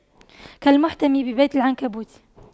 كالمحتمي ببيت العنكبوت